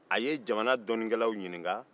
a ye jamana dɔnnikɛlaw ɲininka